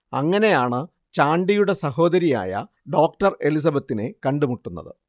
അങ്ങനെയാണ് ചാണ്ടിയുടെ സഹോദരിയായ ഡോക്ടർ എലിസബത്തിനെ കണ്ടു മുട്ടുന്നത്